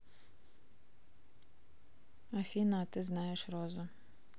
афина а ты знаешь розу